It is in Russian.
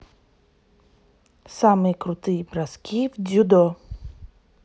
самые крутые броски в дзюдо